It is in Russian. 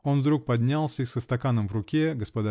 Он вдруг поднялся и со стаканом в руке -- гг.